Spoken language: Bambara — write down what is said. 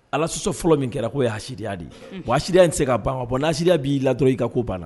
Ala sɔsɔ fɔlɔ min kɛra k'o ye ariya de ye wa aya in tɛ se ka ban bɔ aseriya b'i la dɔn i ka ko banna